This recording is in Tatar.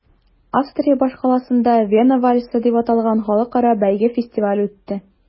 Австрия башкаласында “Вена вальсы” дип аталган халыкара бәйге-фестиваль үтте.